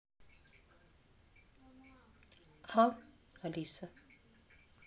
а алиса